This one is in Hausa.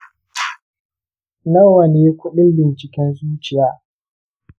nawa ne kudin binciken zuciya?